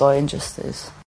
...o injustice.